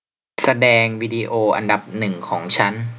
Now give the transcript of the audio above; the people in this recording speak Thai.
แสดงวิดีโออันดับหนึ่งของฉัน